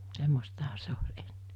semmoistahan se oli ennen